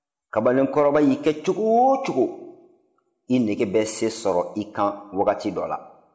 kamalen kɔrɔba y'i kɛ cogo o cogo i nege bɛ sen sɔrɔ i kan wagati dɔ la